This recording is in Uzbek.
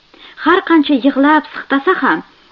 har qancha yig'lab siqtasa ham